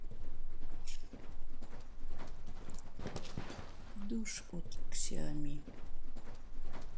душ от xiaomi